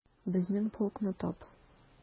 Безнең полкны тап...